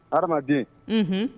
Adamaden n hun